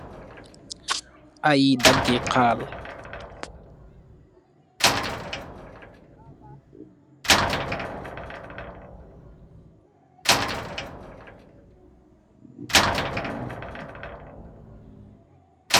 Aye dagi khaal.